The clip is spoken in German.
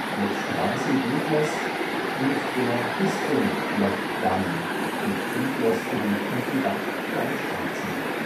mit Straßendurchlass und der Distellochdamm (km 84,8, 20 Meter hoch, 319 Meter lang) mit Durchlass für den Tiefenbach bei Schwarzenbach